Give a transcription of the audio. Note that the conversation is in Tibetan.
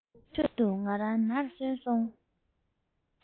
ཁྲོད དུ ང རང ནར སོན སོང